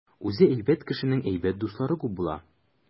Үзе әйбәт кешенең әйбәт дуслары күп була.